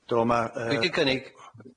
Do ma' yy... Dwi 'di cynnig.